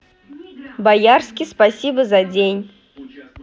боярский спасибо за день